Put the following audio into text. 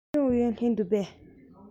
སློབ སྦྱོང ཨུ ཡོན སླེབས འདུག གས